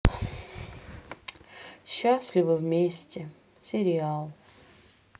счастливы вместе сериал